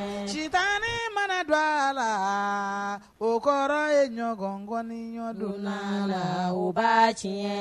Sitan mana don a la o kɔrɔ ye ɲɔgɔn ŋɔni ɲɔgɔndon la la baasi tiɲɛ